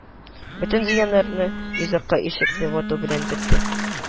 Бөтен зыяннары йозакны-ишекне вату белән бетте